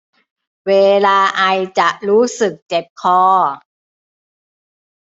เวลาไอจะรู้สึกเจ็บคอ